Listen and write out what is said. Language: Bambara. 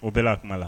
O bɛɛ kuma la